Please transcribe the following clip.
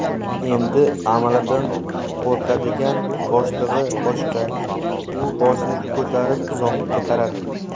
endi amalidan ko'rqadigan boshlig'i boshqa u boshini ko'tarib zohidga qaradi